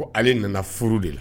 Ko ale nana furu de la